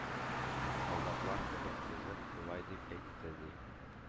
Солдатлар кебек тезеп, болай дип әйтте, ди,